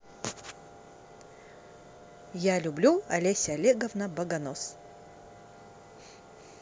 я люблю олеся олеговна богонос